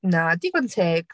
Na, digon teg.